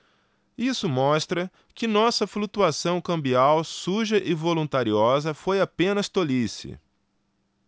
isso mostra que nossa flutuação cambial suja e voluntariosa foi apenas tolice